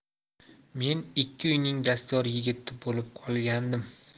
men ikki uyning dastyor yigiti bo'lib qolgandim